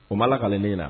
O ma lakale ne ɲɛna.